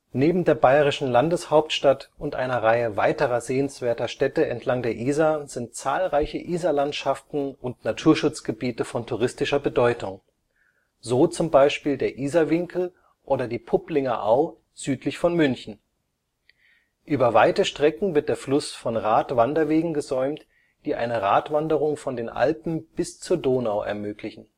Neben der bayerischen Landeshauptstadt und einer Reihe weiterer sehenswerter Städte entlang der Isar sind zahlreiche Isarlandschaften und Naturschutzgebiete von touristischer Bedeutung, so zum Beispiel der Isarwinkel oder die Pupplinger Au südlich von München. Über weite Strecken wird der Fluss von Radwanderwegen gesäumt, die eine Radwanderung von den Alpen bis zur Donau ermöglichen